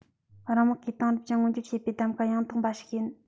རང དམག གི དེང རབས ཅན མངོན འགྱུར བྱེད པའི གདམ ག ཡང དག འབའ ཞིག ཡིན